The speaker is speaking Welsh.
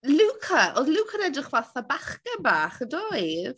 Luca. Oedd Luca'n edrych fatha bachgen bach yn doedd?